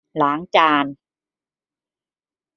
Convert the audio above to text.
ล้างจาน